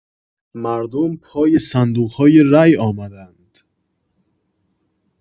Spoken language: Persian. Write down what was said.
مردم پای صندوق‌های رای آمدند